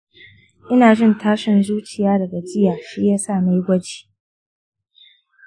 ina ta jin tashin zuciya da gajiya, shiyasa nayi gwaji.